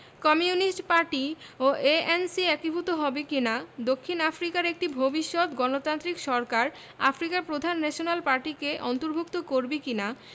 communist party ও ANC একীভূত হবে কি না দক্ষিণ আফ্রিকার একটি ভবিষ্যৎ গণতান্ত্রিক সরকার আফ্রিকার প্রধান ন্যাশনাল পার্টিকে অন্তর্ভুক্ত করবে কি না